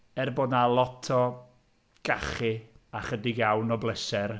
Er bod 'na lot o gachu a ychydig iawn o bleser.